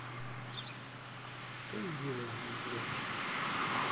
как сделать звук громче